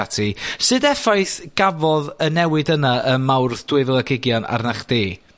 ati. Sud effaith gafodd y newid yna ym Mawrth drwy fil ag ugian arnach chdi?